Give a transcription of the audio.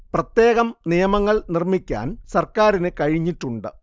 പ്രത്യേകം നിയമങ്ങൾ നിർമ്മിക്കാൻ സർക്കാരിന് കഴിഞ്ഞിട്ടുണ്ട്